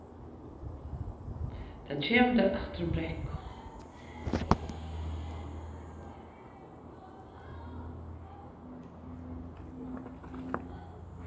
tað kemur tær aftur um brekku